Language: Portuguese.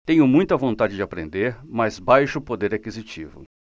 tenho muita vontade de aprender mas baixo poder aquisitivo